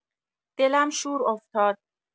دلم شور افتاد